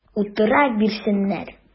Утыра бирсеннәр!